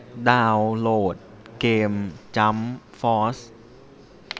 ดาวโหลดเกมจั้มฟอส